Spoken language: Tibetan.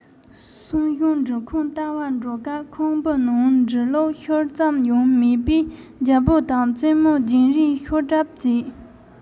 སང ཞོགས འབྲུ ཁང བལྟ བར འགྲོ སྐབས ཁང པའི ནང འབྲུ བླུགས ཤུལ ཙམ ཡང མེད པས རྒྱལ པོ དང བཙུན མོ རྒྱག རེས ཤོར གྲབས བྱས